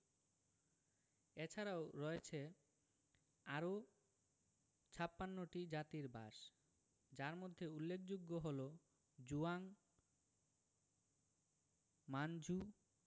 এছারাও রয়েছে আরও ৫৬ টি জাতির বাসযার মধ্যে উল্লেখযোগ্য হলো জুয়াং মাঞ্ঝু